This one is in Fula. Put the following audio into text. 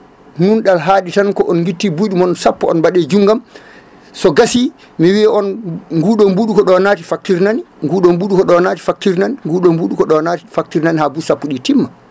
nunɗal haɗi tan ko on guitti buuɗimoon sappo on mbaɗe junggam so gasi mi wiya on nguɗo mbbuɗo ko ɗo naati facture nani nguɗo buuɗu ko naati facture nani nguɗo buuɗu ko ɗo naati facture nani ha buuɗi sappo ɗi timma